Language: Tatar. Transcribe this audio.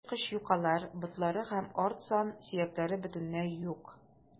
Коточкыч юкалар, ботлары һәм арт сан сөякләре бөтенләй юк.